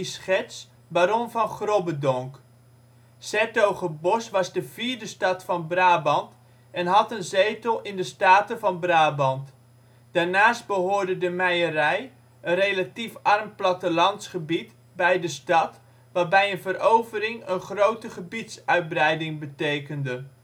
Schetz, baron van Grobbedonk. ' s-Hertogenbosch was de vierde stad van Brabant en had een zetel in de Staten van Brabant. Daarnaast behoorde de Meierij, een relatief arm plattelandsgebied bij de stad wat bij een verovering een grote gebiedsuitbreiding betekende